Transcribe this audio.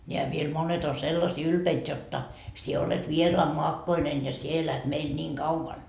nämä vielä monet on sellaisia ylpeitä jotta sinä olet vieraanmaakkoinen ja sinä elät meillä niin kauan